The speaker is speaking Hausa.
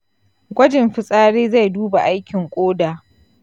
gwajin fitsari zai duba aikin ƙoda.